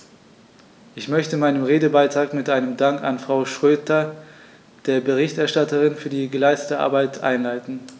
Ich möchte meinen Redebeitrag mit einem Dank an Frau Schroedter, der Berichterstatterin, für die geleistete Arbeit einleiten.